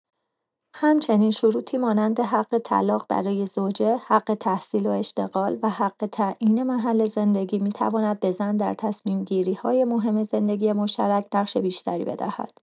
همچنین، شروطی مانند حق طلاق برای زوجه، حق تحصیل و اشتغال و حق تعیین محل زندگی می‌تواند به زن در تصمیم‌گیری‌های مهم زندگی مشترک نقش بیشتری بدهد.